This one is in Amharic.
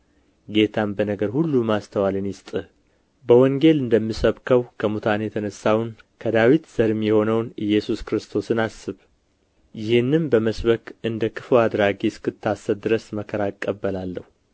ጌታም በነገር ሁሉ ማስተዋልን ይስጥህ በወንጌል እንደምሰብከው ከሙታን የተነሣውን ከዳዊት ዘርም የሆነውን ኢየሱስ ክርስቶስን አስብ ይህንም በመስበክ እንደ ክፉ አድራጊ እስክታሰር ድረስ መከራ እቀበላለሁ